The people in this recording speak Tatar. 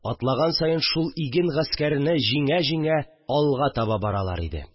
Атлаган саен шул иген гаскәрене җиңә-җиңә алга таба баралар иде